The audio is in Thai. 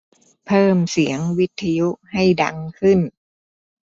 เพิ่มเสียงวิทยุให้ดังขึ้น